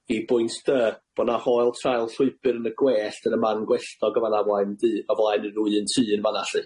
i bwynt Dy, bo' 'na hoel traul llwybyr yn y gwellt, yn y man gwelltog yn fan 'na o flaen dŷ- o flaen un- ryw un tŷ yn fan'na lly.